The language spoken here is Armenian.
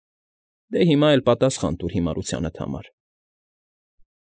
Դե հիմա էլ պատասխան տուր հիմարությանդ համար։